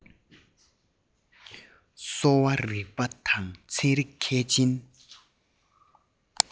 གསོ བ རིག པ དང ཚན རིག མཁས ཅན